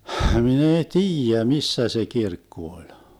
minä ei tiedä missä se kirkko oli